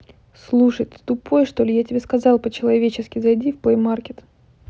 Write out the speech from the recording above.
слушай ты тупой что ли я тебе сказал про человеческий зайди в плеймаркет